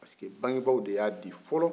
parce que bangebaw de y'a di fɔlɔ